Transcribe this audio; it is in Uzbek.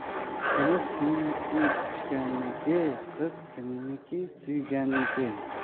qimiz kimniki ichganniki qiz kimniki suyganniki